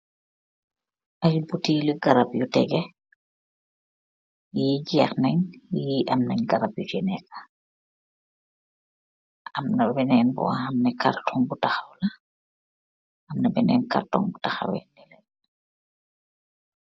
Ay boteli garap yu tege yi jaxnej yi amnej garap wusi neka amna wenen woxane cartong bu taxaw la amna benen bu taxaw wee nalé